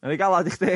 Yn ry galad i chdi?